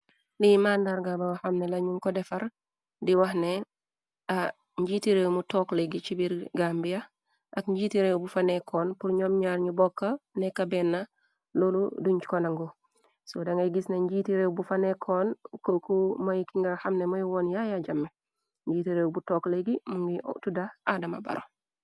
Lii màndar gah la bor xamne njung ko defar, di wax ne njiiti réew bu tok legi chi biir Gambia ak njiiti réew bufa nekkoon pur njom ñaar ñu bokka nekka benna loolu duñ ko nangu, so da ngay gis na njiiti réew bufa nekkoon koku moy ki nga xamne mooy woon yaaya jammeh, njiiti réew bu tok legi mu ngiy tudda adama barrow.